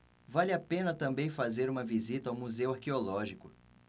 vale a pena também fazer uma visita ao museu arqueológico